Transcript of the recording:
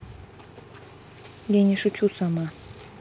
я не шучу сама